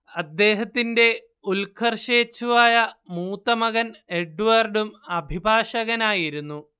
അദ്ദേഹത്തിന്റെ ഉൽക്കർഷേച്ഛുവായ മൂത്തമകൻ എഡ്വേർഡും അഭിഭാഷകനായിരുന്നു